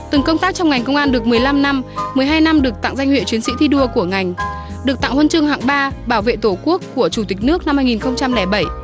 từng công tác trong ngành công an được mười lăm năm mười hai năm được tặng danh hiệu chiến sĩ thi đua của ngành được tặng huân chương hạng ba bảo vệ tổ quốc của chủ tịch nước năm hai nghìn không trăm lẻ bảy